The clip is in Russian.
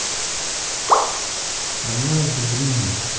однажды в риме